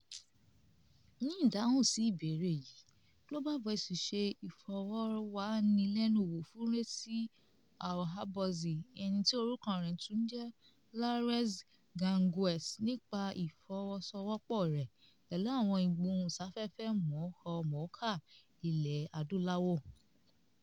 Ní ìdáhùn sí ìbéèrè yìí, Global Voices ṣe ìfọ̀rọ̀wánilẹ́nuwò fún Réassi Ouabonzi, ẹni tí orúkọ rẹ̀ tún ún jẹ́ Lareus Gangoueus nípa ìfọwọ́sowọ́pọ̀ rẹ̀ pẹ̀lú àwọn ìgbóhùnsáfẹ́fẹ́ mọ̀ọ́kọmọ̀ọ́kà Ilẹ̀ Adúláwò.